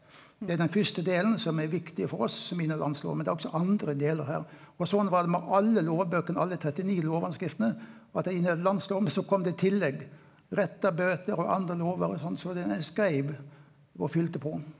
det er den fyrste delen som er viktig for oss som inneheld landsloven, men det er også andre delar her, og sånn var det med alle lovbøkene, alle 39 lovhandskrifta at dei inneheld landsloven, men så kom det i tillegg rettarbøter og andre lover og sånn så ein skreiv og fylte på.